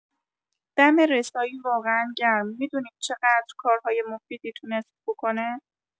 دم رسایی واقعا گرم، می‌دونید چقدر کارهای مفیدی تونست بکنه